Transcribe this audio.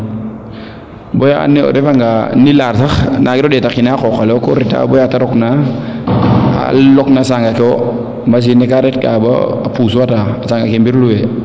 boya ando naye o refa nga nulard sax nangiro ndeta qina a qoqa lewo ko reta baya te roq na roq na saang ke wo machine ne ka ret ka bo a puus wata yembiru e